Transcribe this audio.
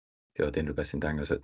Tibod, unrhyw beth sy'n dangos y...